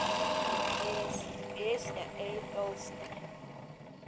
песня эй толстый